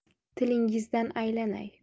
tilingizdan aylanay